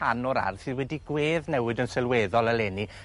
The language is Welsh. rhan o'r ardd sydd wedi gwedd newid yn sylweddol eleni